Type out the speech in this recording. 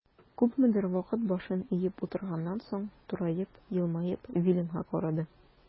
Күпмедер вакыт башын иеп утырганнан соң, тураеп, елмаеп Виленга карады.